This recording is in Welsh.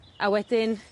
a wedyn